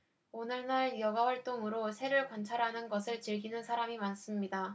오늘날 여가 활동으로 새를 관찰하는 것을 즐기는 사람이 많습니다